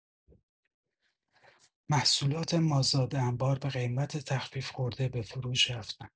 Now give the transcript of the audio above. محصولات مازاد انبار به قیمت تخفیف‌خورده به فروش رفتند.